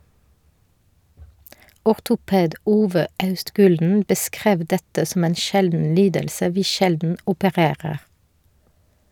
Ortoped Ove Austgulen beskrev dette som en "sjelden lidelse vi sjelden opererer".